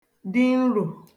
dị nrò